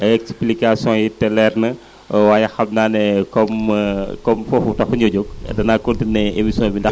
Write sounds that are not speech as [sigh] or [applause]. explication yi leer na waaye xam naa ne [hesitation] comme [hesitation] comme foofu taxuñoo jóg danaa continué émission bi ndax